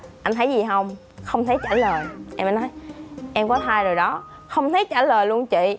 anh thấy gì hông không thấy trả lời em mới nói em có thai rồi đó không thấy trả lời lun chị